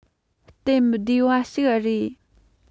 སྟབས མི བདེ བ ཞིག རེད